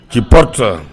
Cipri ta